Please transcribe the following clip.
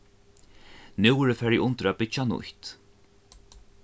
nú verður farið undir at byggja nýtt